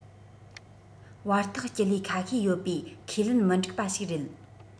བར ཐག སྤྱི ལེ ཁ ཤས ཡོད པའི ཁས ལེན མི འགྲིག པ ཞིག རེད